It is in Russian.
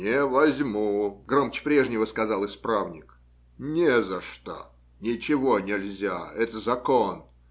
- Не возьму, - громче прежнего сказал исправник. - Не за что. Ничего нельзя. Это закон.